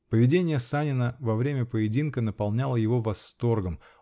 Поведение Санина во время поединка наполняло его восторгом.